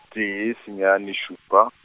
tee senyane šupa.